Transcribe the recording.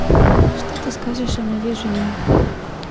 что ты скажешь о моей жене